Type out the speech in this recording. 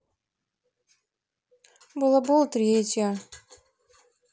балабол третья